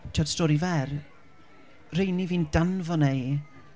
timod, stori fer, rheini fi'n danfon e i.